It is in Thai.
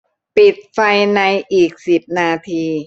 ปิดไฟในอีกสิบนาที